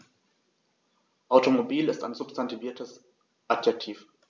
Automobil ist ein substantiviertes Adjektiv.